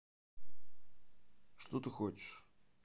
что ты хочешь